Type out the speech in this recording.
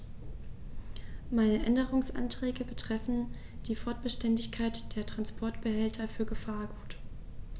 Meine Änderungsanträge betreffen die Frostbeständigkeit der Transportbehälter für Gefahrgut.